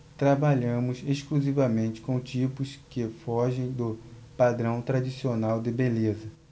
trabalhamos exclusivamente com tipos que fogem do padrão tradicional de beleza